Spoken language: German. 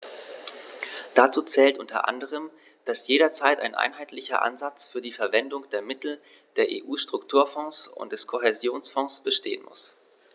Dazu zählt u. a., dass jederzeit ein einheitlicher Ansatz für die Verwendung der Mittel der EU-Strukturfonds und des Kohäsionsfonds bestehen muss.